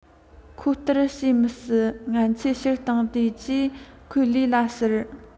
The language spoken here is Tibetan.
ཁོ ལྟར བྱེད མི སྲིད ང ཚོས སྤྱིར བཏང དུ གྱི ཁེ ལས ལ ཟེར